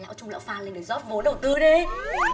lão trung lão phan lên để rót vốn đầu tư đê